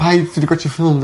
...paid ti 'di gwatsio ffilm...